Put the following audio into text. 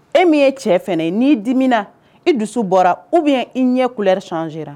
E min ye cɛ fana ye n'i diminana i dusu bɔra u bɛ i ɲɛ kuɛre sonzsee